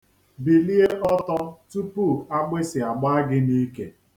Bilee ọtọ tupu agbịsị agbaa gị n'ike.